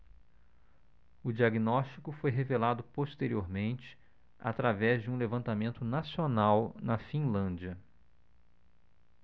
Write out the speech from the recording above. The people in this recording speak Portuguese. o diagnóstico foi revelado posteriormente através de um levantamento nacional na finlândia